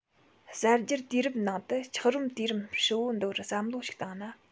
གསར སྒྱུར དུས རབས ནང དུ འཁྱགས རོམ དུས རིམ ཧྲིལ བོ འདུ བར བསམ བློ ཞིག བཏང ན